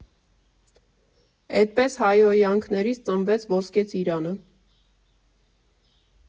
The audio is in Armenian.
Էդպես հայհոյանքներից ծնվեց Ոսկե ծիրանը։